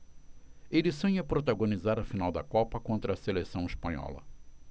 ele sonha protagonizar a final da copa contra a seleção espanhola